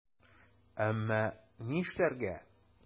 Әмма нишләргә?!